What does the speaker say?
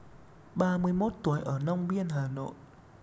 ba mươi mốt tuổi ở long biên hà nội